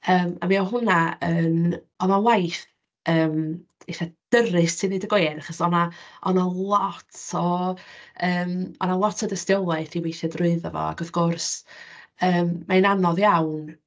Yym ac mi o' hwnna yn... oedd o'n waith yym eitha dyrys i ddeud y gwir, achos o' 'na o' 'na lot o yym.. o' 'na lot o dystiolaeth i weithio drwyddo fo, ac wrth gwrs yym ma'n anodd iawn...